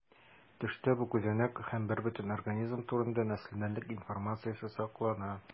Төштә бу күзәнәк һәм бербөтен организм турында нәселдәнлек информациясе саклана.